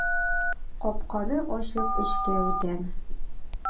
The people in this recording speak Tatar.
Капканы ачып эчкә үтәм.